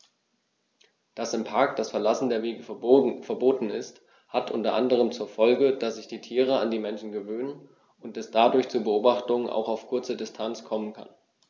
Dass im Park das Verlassen der Wege verboten ist, hat unter anderem zur Folge, dass sich die Tiere an die Menschen gewöhnen und es dadurch zu Beobachtungen auch auf kurze Distanz kommen kann.